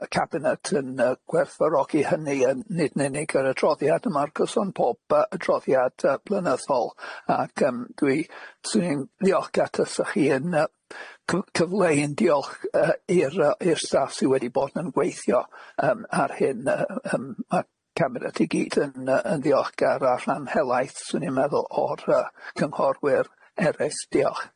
y cabinet yn yy gwerthfawrogi hynny yn nid yn unig yr adroddiad yma'n gyson pob yy adroddiad yy blynyddol ac yym dwi 'swn i'n ddiolchgar os tasa chi yn yy cyf- cyfleu ein diolch yy i'r yy i'r staff sy wedi bod yn gweithio yym ar hyn yy yym ma' cabinet i gyd yn yy yn ddiolchgar a rhan helaeth 'swn i'n meddwl o'r yy cynghorwyr eryll diolch.